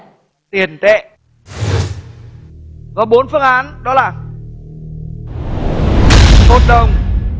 tiền tệ có bốn phương án đó là một đồng